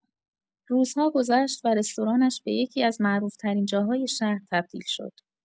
روزها گذشت و رستورانش به یکی‌از معروف‌ترین جاهای شهر تبدیل شد.